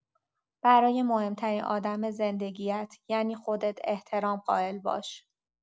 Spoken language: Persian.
برای مهم‌ترین آدم زندگی‌ات یعنی خودت احترام قائل باش.